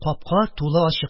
Капка тулы ачык